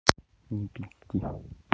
не пизди